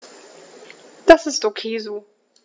Das ist ok so.